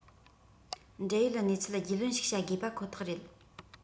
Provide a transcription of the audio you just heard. འབྲེལ ཡོད གནས ཚུལ རྒྱུས ལོན ཞིག བྱ དགོས པ ཁོ ཐག རེད